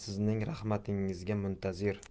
sizning marhamatingizga muntazir